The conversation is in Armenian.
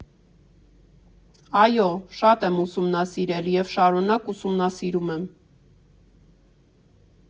Այո՛, շատ եմ ուսումնասիրել և շարունակ ուսումնասիրում եմ։